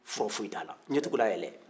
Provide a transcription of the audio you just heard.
fura foyi t'ala ɲɛ tugun n'a yɛlɛ